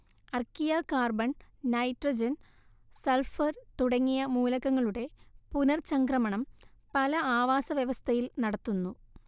archaea carbon nitrogen sulphur തുടങ്ങിയ മൂലകങ്ങളുടെ പുനർചംക്രമണം പല ആവാസവ്യവസ്ഥയിൽ നടത്തുന്നു